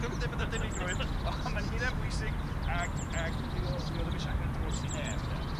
Dwi'm yn deud bod 'na debygrwydd ond ma'n hunan bwysig ac ac 'di o 'di o ddim isia agor y drws i neb 'de.